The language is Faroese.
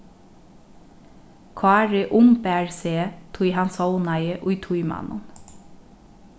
kári umbar seg tí hann sovnaði í tímanum